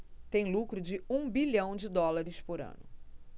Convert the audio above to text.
tem lucro de um bilhão de dólares por ano